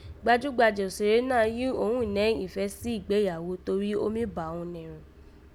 Gbajúgbajà òsèré náà jí òghun nẹ́ ìfẹ́ sí ìgbéyàwó torí ó mí bà òghun nẹ̀rù